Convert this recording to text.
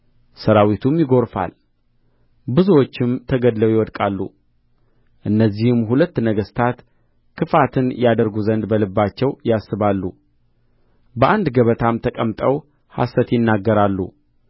ሠራዊቱም ይጐርፋል ብዙዎችም ተገድለው ይወድቃሉ እነዚህም ሁለት ነገሥታት ክፋትን ያደርጉ ዘንድ በልባቸው ያስባሉ በአንድ ገበታም ተቀምጠው ሐሰት ይናገራሉ